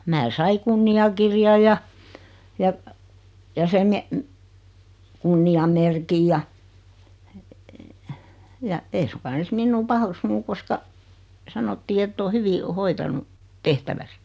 minä sain kunniakirjan ja ja ja sen - kunniamerkin ja ja ei suinkaan ne olisi minua paheksunut koska sanottiin että on hyvin hoitanut tehtävänsä